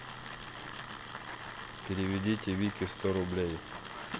переведи вике сто рублей